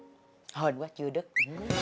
hên quá chưa đứt